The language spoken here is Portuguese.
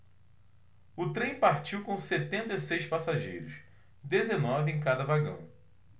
o trem partiu com setenta e seis passageiros dezenove em cada vagão